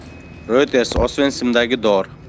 reuters osvensimdagi dor